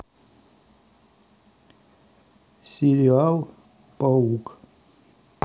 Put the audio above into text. сериал паук